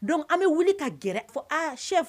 Dɔnc an bɛ wuli ka gɛrɛ fo a shɛ